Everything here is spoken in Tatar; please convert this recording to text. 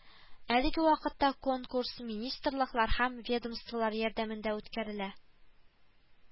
Әлеге вакытта конкурс министрлыклар һәм ведомстволар ярдәмендә үткәрелә